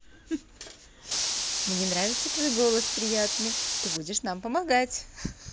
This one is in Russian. мне нравится твой голос приятный ты будешь нам помогать